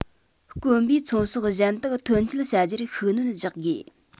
དཀོན པའི ཚོང ཟོག གཞན དག ཐོན སྐྱེད བྱ རྒྱུར ཤུགས སྣོན རྒྱག དགོས